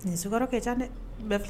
Ni sukaro ka ca dɛ! .